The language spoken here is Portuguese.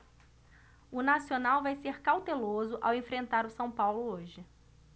o nacional vai ser cauteloso ao enfrentar o são paulo hoje